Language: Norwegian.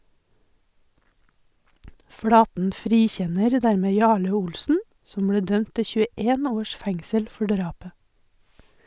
Flaten frikjenner dermed Jarle Olsen, som ble dømt til 21 års fengsel for drapet.